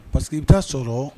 Parce que bɛ t taa sɔrɔ